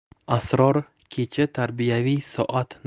asror kecha tarbiyaviy soat